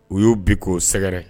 U y'u bi k'o sɛgɛrɛ